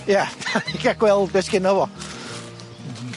Ie ga'l gweld be' sgenno fo.